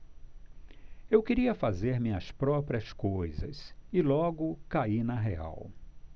eu queria fazer minhas próprias coisas e logo caí na real